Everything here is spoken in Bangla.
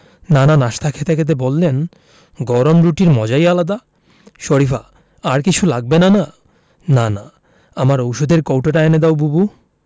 নানা নাশতা খেতে খেতে বললেন গরম রুটির মজাই আলাদা শরিফা আর কিছু লাগবে নানা নানা আমার ঔষধের কৌটোটা এনে দাও বুবু